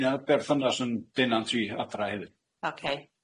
ma' gin i yy berthynas yn denant i Adra hefyd..